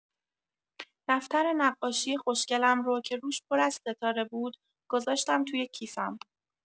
دفتر نقاشی خوشگلم رو که روش پر از ستاره بود گذاشتم توی کیفم.